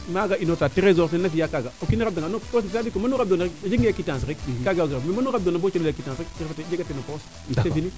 maaga inoor taa tresor tena fiya kaaga o kiina rabda nga c' est a dire mbanu rab doona rek o jega nge a quittance rek mais mbanu rab doona rek bo coxela quittance rek jegatee no poos